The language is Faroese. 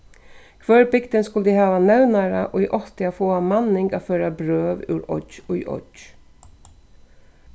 hvør bygdin skuldi hava nevnara ið átti at fáa manning at føra brøv úr oyggj í oyggj